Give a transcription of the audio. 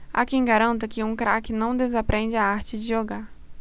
há quem garanta que um craque não desaprende a arte de jogar